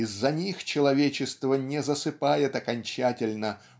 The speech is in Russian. из-за них человечество не засыпает окончательно